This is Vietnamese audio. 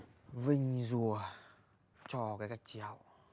vinh rùa cho cái gạch chéo